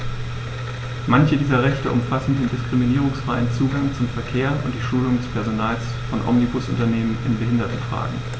Manche dieser Rechte umfassen den diskriminierungsfreien Zugang zum Verkehr und die Schulung des Personals von Omnibusunternehmen in Behindertenfragen.